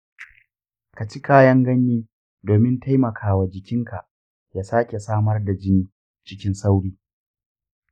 ka ci kayan ganye domin taimaka wa jikinka ya sake samar da jini cikin sauri.